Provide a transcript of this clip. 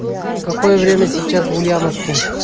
какое время сейчас в ульяновске